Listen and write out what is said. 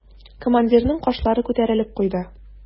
Командирның кашлары күтәрелеп куйды.